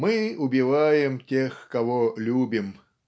Мы убиваем тех, кого любим.